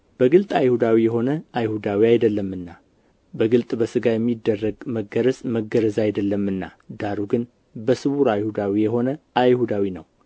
በግልጥ አይሁዳዊ የሆነ አይሁዳዊ አይደለምና በግልጥ በሥጋ የሚደረግ መገረዝም መገረዝ አይደለምና ዳሩ ግን በስውር አይሁዳዊ የሆነ አይሁዳዊ ነው